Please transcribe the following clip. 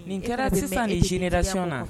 Nin kɛra sisan nin jenidacon na